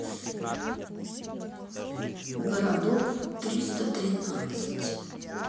городок триста тринадцать